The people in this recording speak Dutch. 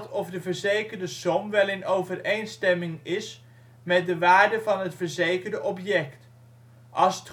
of de verzekerde som wel in overeenstemming is met de waarde van het verzekerde object. Als